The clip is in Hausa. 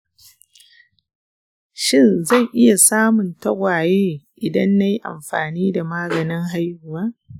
shin zan iya samun tagwaye idan na yi amfani da maganin haihuwa?